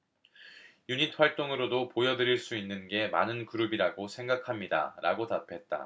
유닛 활동으로도 보여드릴 수 있는 게 많은 그룹이라고 생각합니다라고 답했다